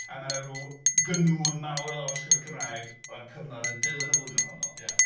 A mae 'na ryw ganŵn mawr o lawysgrifau Cymraeg o'r cyfnod yn dilyn y flwyddyn honno.